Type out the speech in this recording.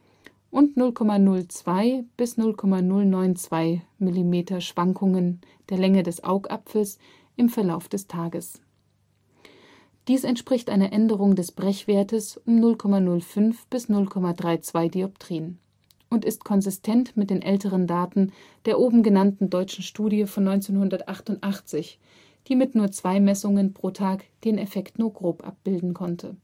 und 0,020 – 0,092 mm Schwankungen der Länge des Augapfels im Verlauf des Tages. Dies entspricht einer Änderung des Brechwertes um 0,05 bis 0,32 dpt. und ist konsistent mit den älteren Daten der oben genannten deutschen Studie von 1988, die mit nur zwei Messungen pro Tag den Effekt nur grob abbilden konnte